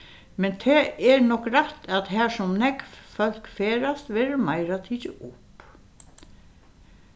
men tað er nokk rætt at har sum nógv fólk ferðast verður meira tikið upp